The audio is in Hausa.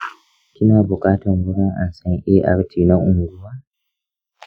kina buƙatan wurin ansan art na unguwa?